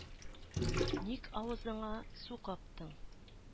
Ник авызыңа су каптың?